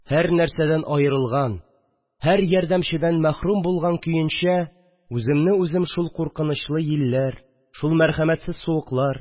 Һәрнәрсәдән аерылган, һәр ярдәмчедән мәхрүм булган көенчә, үземне үзем япа-ялгыз күрдем. үземне үзем шул куркынычлы җилләр, шул мәрхәмәтсез суыкла